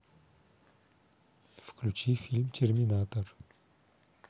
включи фильм терминатор